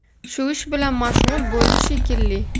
shu ish bilan mashg'ul bo'ldi shekilli